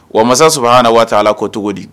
Wa mansa saba na waati ala ko cogo di